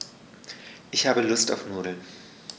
Ich habe Lust auf Nudeln.